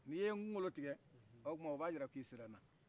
n'iye nkungolo tigɛ o b'a yira k'i sera n'na